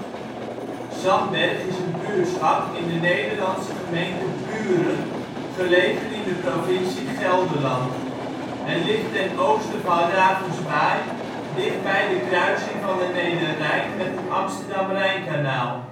Zandberg is een buurtschap in de Nederlandse gemeente Buren, gelegen in de provincie Gelderland. Het ligt ten oosten van Ravenswaaij; dichtbij de kruising van de Nederrijn met het Amsterdam-Rijnkanaal